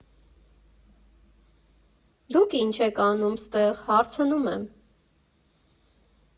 Դուք ի՞նչ եք անում ստեղ՝ հարցնում եմ։